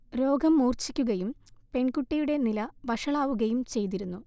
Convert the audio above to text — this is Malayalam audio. രോഗം മൂർഛിക്കുകയും പെൺകുട്ടിയുടെ നില വഷളാവുകയും ചെയ്തിരുന്നു